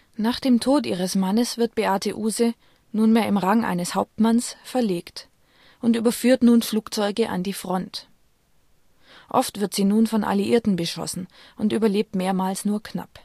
Nach dem Tod ihres Mannes wird Beate Uhse, nunmehr im Rang eines Hauptmanns, verlegt und überführt nun Flugzeuge an die Front. Oft wird sie nun von Alliierten beschossen und überlebt mehrmals nur knapp